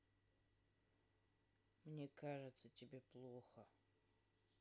мне кажется тебе плохо